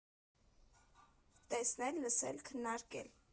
Տեսնել, լսել, քննարկել։